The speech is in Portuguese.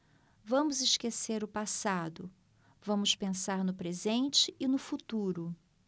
vamos esquecer o passado vamos pensar no presente e no futuro